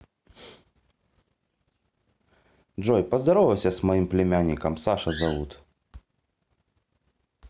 джой поздоровайся с моим племянником саша зовут